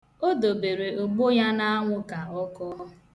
O dobere ụgbụ ya n'anwụ ka ọ kọọ.